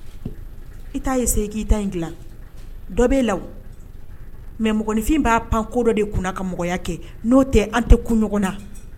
I segin dila dɔ bɛ la mɛ mɔgɔnfin b'a pan ko dɔ de kunna kaya kɛ n'o tɛ an tɛ kunɲɔgɔn na